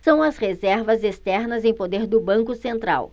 são as reservas externas em poder do banco central